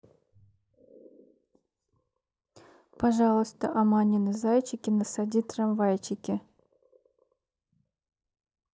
пожалуйста аманины зайчики насади трамвайчики